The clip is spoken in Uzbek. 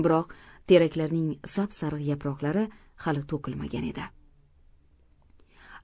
biroq teraklarning sap sariq yaproqlari hali to'kilmagan edi